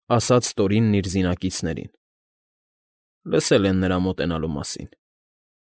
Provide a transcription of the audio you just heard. Ասաց Տորինն իր զինակիցներին։֊ Լսել են նրա մոտենալու մասին։